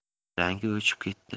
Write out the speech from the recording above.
rangi o'chib ketdi